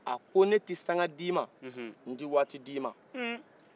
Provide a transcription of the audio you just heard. a ko ne tɛ sagan d'i ma ntɛ waati d'i ma